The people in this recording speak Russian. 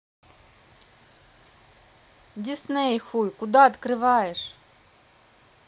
disney хуй куда открываешь